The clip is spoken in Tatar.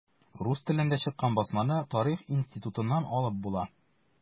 Рус телендә чыккан басманы Тарих институтыннан алып була.